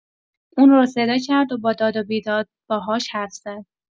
اونو رو صدا کرد و با داد و بیداد باهاش حرف زد.